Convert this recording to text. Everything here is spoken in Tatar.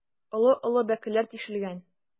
Олы-олы бәкеләр тишелгән.